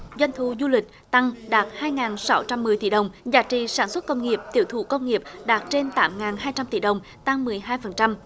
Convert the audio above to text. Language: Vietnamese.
doanh thu du lịch tăng đạt hai ngàn sáu trăm mười tỷ đồng giá trị sản xuất công nghiệp tiểu thủ công nghiệp đạt trên tám ngàn hai trăm tỷ đồng tăng mười hai phần trăm